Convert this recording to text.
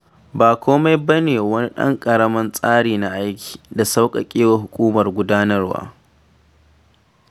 Ba kome ba ne wani ɗan ƙaramin tsari na aiki, da sauƙaƙe wa hukumar gudanarwa.